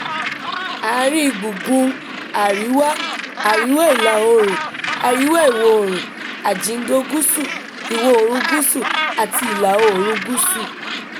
Àárín gbùngbùn Àríwá, Àríwá Ìlà-oòrùn, Àríwá Ìwọ̀-oòrùn, Àjìǹdò-gúúsù, Ìwọ̀-oòrùn gúúsù, àti Ìlà-oòrùnun gúúsù.